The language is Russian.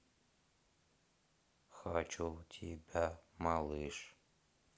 хочу тебя малыш